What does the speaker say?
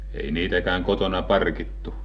ei niitäkään kotona parkittu